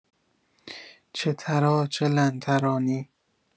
چه ترا… چه لن ترانی